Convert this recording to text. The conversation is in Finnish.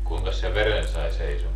kuinkas se veren sai seisomaan